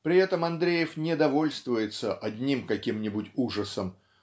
При этом Андреев не довольствуется одним каким-нибудь ужасом